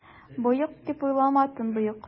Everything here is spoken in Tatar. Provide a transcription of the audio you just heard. Боек, дип уйлама, төнбоек!